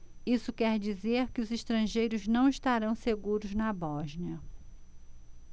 isso quer dizer que os estrangeiros não estarão seguros na bósnia